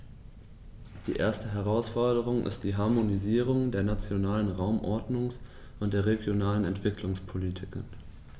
Die erste Herausforderung ist die Harmonisierung der nationalen Raumordnungs- und der regionalen Entwicklungspolitiken.